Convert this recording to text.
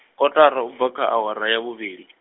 kotara ubva kha awara ya vhuvhili.